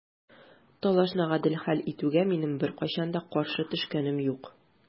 Талашны гадел хәл итүгә минем беркайчан да каршы төшкәнем юк.